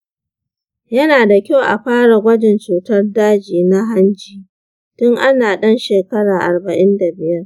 yana da kyau a fara gwajin cutar daji na hanji tun ana ɗan shekara arba'in da biyar.